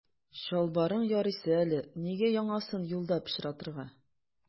Чалбарың ярыйсы әле, нигә яңасын юлда пычратырга.